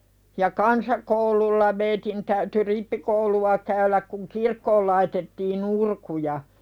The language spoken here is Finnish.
ja kansakoululla meidän täytyi rippikoulua käydä kun kirkkoon laitettiin urkuja